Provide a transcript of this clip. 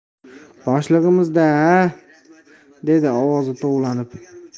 boshlig'imiz da dedi ovozi tovlanib